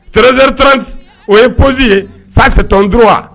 Tzeretti o ye psi ye sansɛ tonto wa